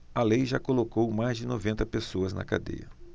a lei já colocou mais de noventa pessoas na cadeia